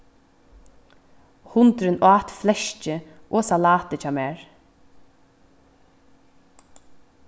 hundurin át fleskið og salatið hjá mær